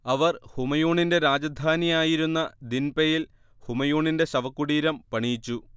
അവർ ഹുമയൂണിന്റെ രാജധാനിയായിരുന്ന ദിൻപയിൽ ഹുമയൂണിന്റെ ശവകുടീരം പണിയിച്ചു